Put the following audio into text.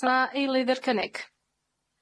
S'na eilydd i'r cynnig?